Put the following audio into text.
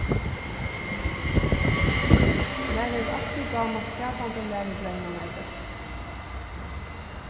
mær hevur altíð dámað skapandi lærugreinarnar best